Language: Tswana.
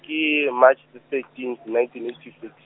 ke March the thirteenth nineteen eighty six.